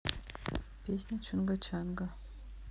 песня чунга чанга